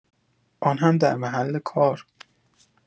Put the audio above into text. آن هم در محل کار!